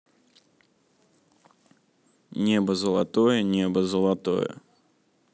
небо золотое небо золотое